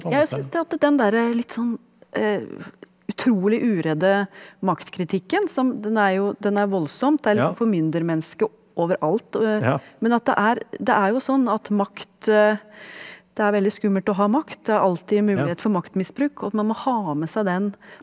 ja jeg syns det at den derre litt sånn utrolig uredde maktkritikken som den er jo den er voldsom, det er liksom formyndermennesker overalt men at det er det er jo sånn at makt det er veldig skummelt å ha makt, det er alltid mulighet for maktmisbruk og at man må ha med seg den.